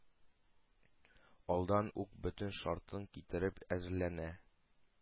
Алдан ук бөтен шартын китереп әзерләнә: